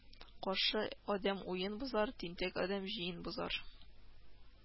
Каршы адәм уен бозар, тинтәк адәм җыен бозар